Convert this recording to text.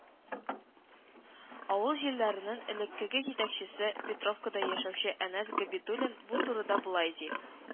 Авыл җирләренең элеккеге җитәкчесе, Петровкада яшәүче Әнәс Габидуллин бу турыда болай ди: